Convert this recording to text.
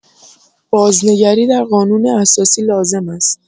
بازنگری در قانون اساسی لازم است!